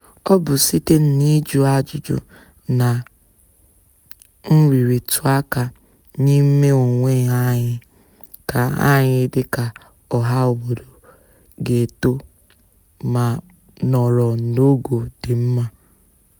Ọ bụ site na ịjụ ajụjụ na nrịrịtaụka n'ime onwe anyị ka anyị dịka ọhaobodo ga-eto ma nọrọ n'ogo dị mma.